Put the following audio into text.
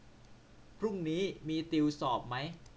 พรุ่งนี้มีติวสอบมั้ย